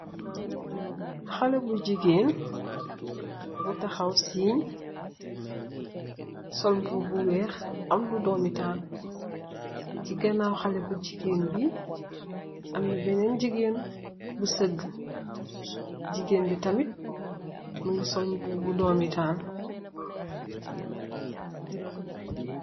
xale bu jigeen bu taxaw siiñ sol bu bu weex am lu doomitaal ci ganaaw xale bu jigeen bi amna beneen jigeen bu segg jigéen bi tamit mëngi sol bu doomitaal